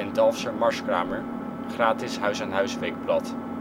Dalfser Marskramer, gratis huis-aan-huis weekblad